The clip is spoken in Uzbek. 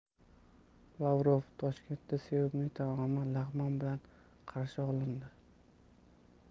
lavrov toshkentda sevimli taomi lag'mon bilan qarshi olindi